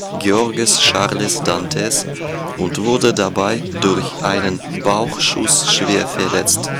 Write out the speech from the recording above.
Georges-Charles d'Anthès und wurde dabei durch einen Bauchschuss schwer verletzt